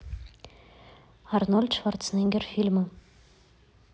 арнольд шварценеггер фильмы